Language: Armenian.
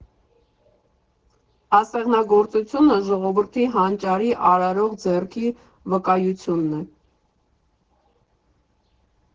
Ասեղնագործությունը ժողովրդի հանճարի, արարող ձեռքի վկայությունն է։